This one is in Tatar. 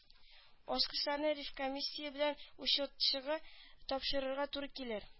Ачкычларны ревкомиссия белән учетчыга тапшырырга туры килер